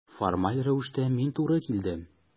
Формаль рәвештә мин туры килдем.